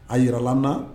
A jira lam